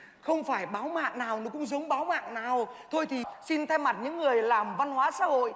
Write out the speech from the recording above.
không phải báo mạng nào nó cũng giống báo mạng nào thôi thì xin thay mặt những người làm văn hóa xã hội